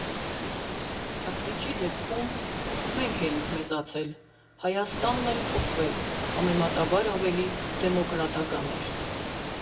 Դահլիճի դեպքում մենք էինք մեծացել, Հայաստանն էր փոխվել, համեմատաբար ավելի դեմոկրատական էր։